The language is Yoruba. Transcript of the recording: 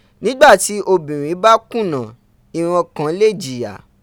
Nigbati obinrin ba kunaa iran kan le jiya.